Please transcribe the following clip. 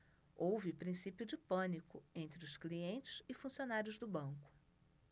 houve princípio de pânico entre os clientes e funcionários do banco